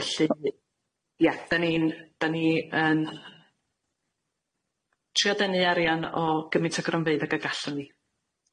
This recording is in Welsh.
Felly ia dyn ni'n dan ni yn trio dynnu arian o gymint o gronfeydd ag y gallan ni.